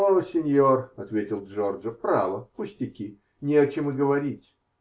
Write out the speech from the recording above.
-- О, синьор, -- ответил Джорджо, -- право, пустяки. Не о чем и говорить.